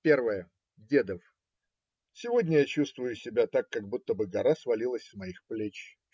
Первая ДЕДОВ. Сегодня я чувствую себя так, как будто бы гора свалилась с моих плеч.